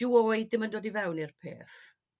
dyw oed dim yn dod i fewn i'r peth.